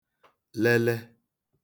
lele